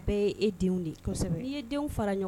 E denw i ye denw fara ɲɔgɔn